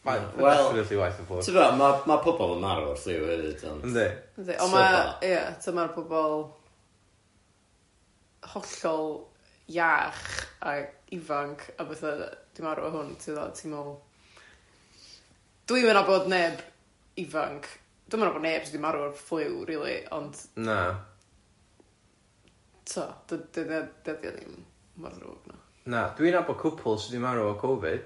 Wel... Mae o definitely yn waeth na flu. Wel, ti'bod, ma'- ma' pobol yn marw o'r ffliw hefyd ond... Yndi, yndi. Ond ma' ia, ti'bod ma'r pobol, hollol iach a ifanc a peth'ma 'di marw o hwn ti'bod, a ti'n meddwl. Dwi'm yn nabod neb ifanc, dwi'm yn nabod neb sy'di marw o'r ffliw rili ond... Na ...ti'bod dy- dy- dy- dydi o ddim mor drwg na. Na dwi'n nabod cwpl sy'di marw o Covid,